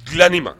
Dilanin ma